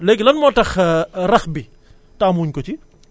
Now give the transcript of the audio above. léegi lan moo tax rax bi taamu wu ñu ko ci